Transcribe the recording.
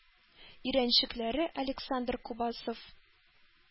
Өйрәнчекләре александр кубасов